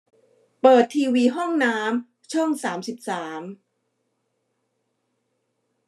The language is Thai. เปิดทีวีห้องน้ำช่องสามสิบสาม